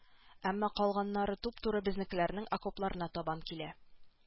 Әмма калганнары туп-туры безнекеләрнең окопларына табан килә